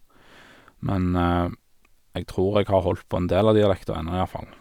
Men jeg tror jeg har holdt på en del av dialekten ennå, iallfall.